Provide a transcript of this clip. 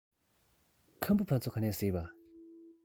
ཁམ བུ ཕ ཚོ ག ནས གཟིགས པ